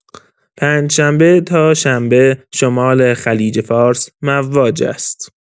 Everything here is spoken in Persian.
پنج‌شنبه تا شنبه شمال خلیج‌فارس مواج است.